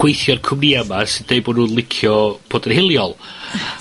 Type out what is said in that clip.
gweithio i'r cwmnïa' 'ma sy'n deud bo' nw'n licio bod yn hiliol.